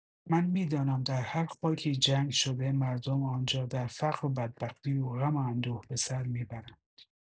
من می‌دانم در هر خاکی جنگ شده مردم انجا در فقر و بدبختی و غم اندوه بسر می‌برند